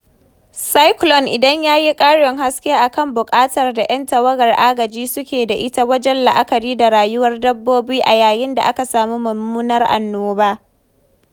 Cyclone Idai ya yi ƙarin haske a kan buƙatar da 'yan tawagar agaji suke da ita wajen la'akari da rayuwar dabbobi a yayin da aka samu mummunar annoba.